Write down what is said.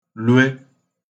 lwe